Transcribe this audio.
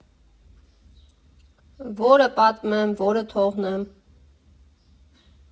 Ո՞րը պատմեմ, ո՞րը թողնեմ.